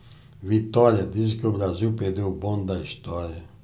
vitória dizem que o brasil perdeu o bonde da história